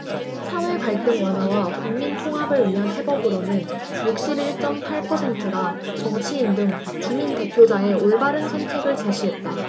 사회갈등 완화와 국민통합을 위한 해법으로는 육십 일 쩜 팔 퍼센트가 정치인 등 주민대표자의 올바른 선택을 제시했다